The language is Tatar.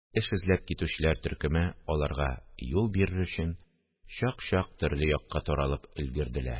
Эш эзләп китүчеләр төркеме, аларга юл бирер өчен, чак-чак төрле якка таралып өлгерделәр